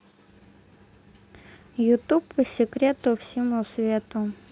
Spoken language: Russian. ютуб по секрету всему свету